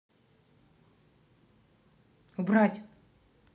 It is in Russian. убрать